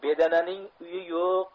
bedananing uyi yo'q